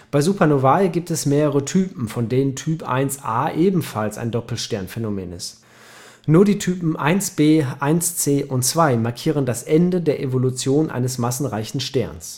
Bei Supernovae gibt es mehrere Typen, von denen Typ Ia ebenfalls ein Doppelsternphänomen ist. Nur die Typen Ib, Ic und II markieren das Ende der Evolution eines massereichen Sterns